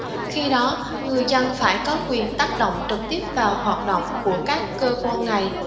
khi đó người dân phải có quyền tác động trực tiếp vào hoạt động của các cơ quan này